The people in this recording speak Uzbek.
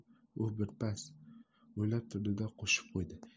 u birpas o'ylab turdi da qo'shib qo'ydi